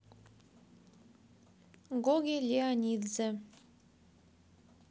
гоги леонидзе